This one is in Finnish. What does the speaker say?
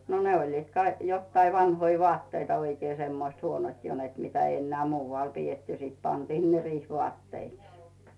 no ne olivat - jotakin vanhoja vaatteita oikein semmoiset huonot jo että mitä ei enää muualla pidetty sitten pantiin ne riihivaatteiksi